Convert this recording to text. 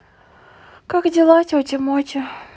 как дела тетя мотя